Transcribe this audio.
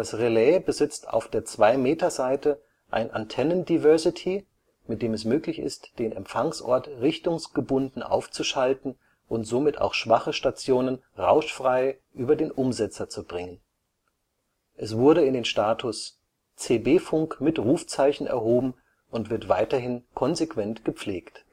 Relais besitzt auf der 2-m-Seite ein Antennen-Diversity, mit dem es möglich ist, den Empfangsort richtungsgebunden aufzuschalten und somit auch schwache Stationen rauschfrei über den Umsetzer zu bringen. Es wurde in den Status „ CB-Funk mit Rufzeichen “erhoben und wird weiterhin konsequent gepflegt